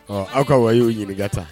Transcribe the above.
Ɔ aw ka waa y'o ɲininkaka ta